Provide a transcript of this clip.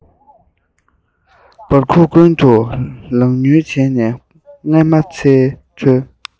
པར ཁུག ཀུན ཏུ ལག ཉུལ བྱས ནས རྔན པ འཚོལ